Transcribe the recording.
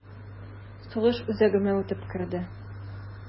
Сугыш үзәгемә үтеп керде...